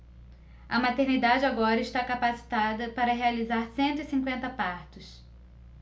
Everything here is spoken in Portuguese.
a maternidade agora está capacitada para realizar cento e cinquenta partos